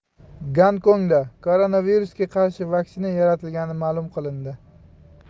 gonkongda koronavirusga qarshi vaksina yaratilgani ma'lum qilindi